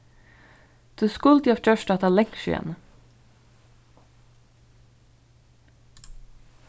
tú skuldi havt gjørt hatta langt síðani